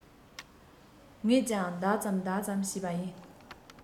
ངས ཀྱང ལྡག ཙམ ལྡག ཙམ བྱས པ ཡིན